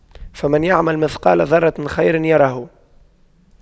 فَمَن يَعمَل مِثقَالَ ذَرَّةٍ خَيرًا يَرَهُ